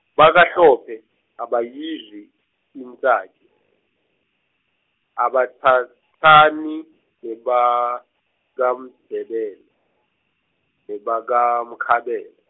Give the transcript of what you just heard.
BakaHlophe, abayidli, intsaki, abatsatsani, nebakaMndzebele, nebakaMkhabela.